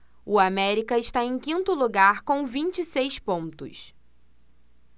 o américa está em quinto lugar com vinte e seis pontos